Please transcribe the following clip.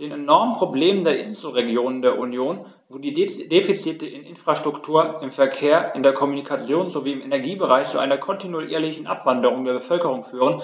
Den enormen Problemen der Inselregionen der Union, wo die Defizite in der Infrastruktur, im Verkehr, in der Kommunikation sowie im Energiebereich zu einer kontinuierlichen Abwanderung der Bevölkerung führen,